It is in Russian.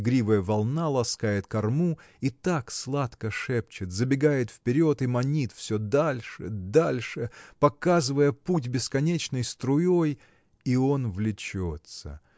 игривая волна ласкает корму и так сладко шепчет забегает вперед и манит все дальше дальше показывая путь бесконечной струей. И он влечется.